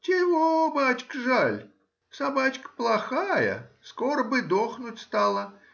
— Чего, бачка, жаль: собачка плохая, скоро бы дохнуть стала